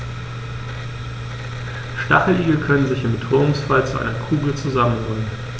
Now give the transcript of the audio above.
Stacheligel können sich im Bedrohungsfall zu einer Kugel zusammenrollen.